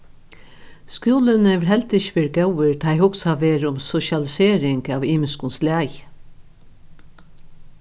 skúlin hevur heldur ikki verið góður tá ið hugsað verður um sosialisering av ymiskum slagi